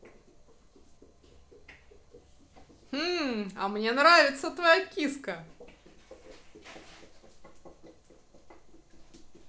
а мне нравится твоя киска